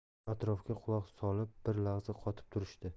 atrofga quloq solib bir lahza qotib turishdi